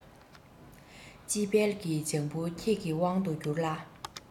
དཔྱིད དཔལ གྱི ལྗང བུ ཁྱེད ཀྱི དབང དུ གྱུར ལ